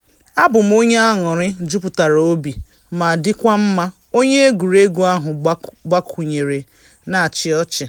A bụ m onye anụrị juputara obi ma dịkwa mma,” onye egwuregwu ahụ gbakwunyere, na-achị ọchị.